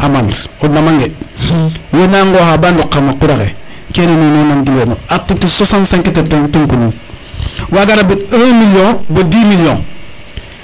amende o dama nge wena ngoxa ba ndok kama xa qura xe kene nuno nan gilweno article 65 ten tenku nuun waga rabide un ;fra million bo dix million